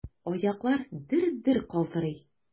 Аяклар дер-дер калтырый.